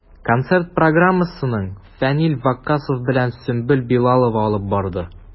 Концерт программасын Фәнил Ваккасов белән Сөмбел Билалова алып барды.